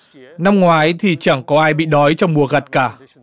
năm ngoái thì chẳng có ai bị đói trong mùa gặt cả